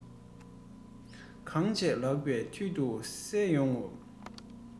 ཚང མ རང གི མདོག དང མཐུན ཡོང ངོ